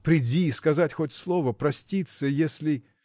Приди сказать хоть слово, проститься, если.